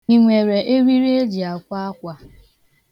I nwere eriri e ji akwa akwa?